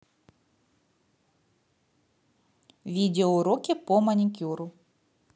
видео уроки по маникюру